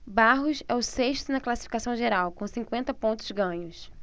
barros é o sexto na classificação geral com cinquenta pontos ganhos